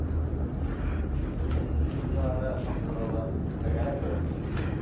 Исемле стипендияләре тапшырылды. бергәләп көрәшик!